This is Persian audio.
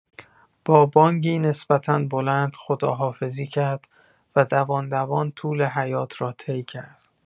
با بانگی نسبتا بلند خداحافظی کرد و دوان دوان طول حیاط را طی کرد.